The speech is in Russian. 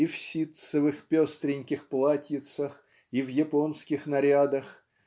ив ситцевых пестреньких платьицах и в японских нарядах